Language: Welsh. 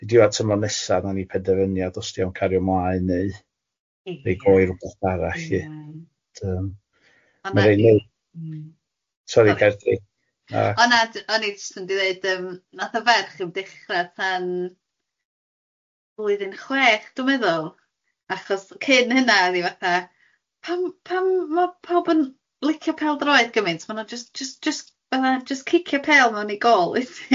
Ydi a tymo nesa wnawn ni penderfyniad os ydy o'n cario mlaen neu.. Ia. ...roi go i rwbath arall i yy ond yym.. Na ni. ...ma'n rhai mowr mm sori ger di... Ona o'n i jyst yn mynd i ddweud yym wnaeth y ferch ddim dechra tan blwyddyn chwech dwi meddwl achos cyn hynna oedd hi fatha, pam pam ma' pawb yn licio pêl-droed gymeint ma' nhw jyst jyst jyst fatha jyst cicio pêl mewn i gôl wyt ti?